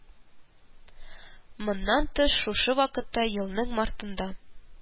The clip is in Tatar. Моннан тыш, шушы ук вакытта, елның мартында